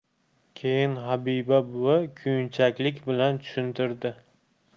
keyin habiba buvi kuyunchaklik bilan tushuntirdi